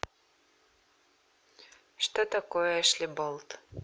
что такое ashley болт